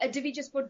ydi fi jys bod